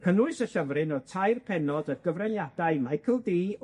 Cynnwys y llyfryn o'dd tair pennod o gyfraniadau Michael Dee,